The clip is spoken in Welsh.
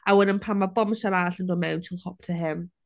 A wedyn pan mae bombshell arall yn dod mewn she'll hop to him.